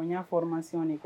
N y'a fɔra masini